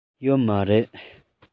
ཡོད མ རེད